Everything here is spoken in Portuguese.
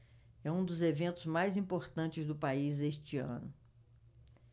é um dos eventos mais importantes do país este ano